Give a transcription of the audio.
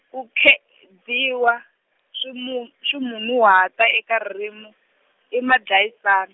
ku khe- -dziwa, swimun-, swimunhuhatwa eka ririmi, i madlayisani.